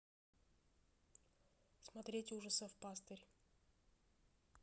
смотреть ужасов пастырь